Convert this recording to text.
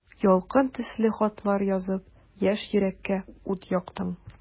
Ялкын төсле хатлар язып, яшь йөрәккә ут яктың.